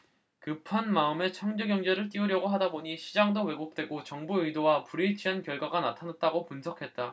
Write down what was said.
급한 마음에 창조경제를 띄우려고 하다 보니 시장도 왜곡되고 정부 의도와 불일치한 결과가 나타났다고 분석했다